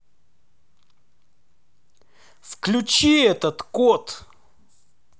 выключи этот кот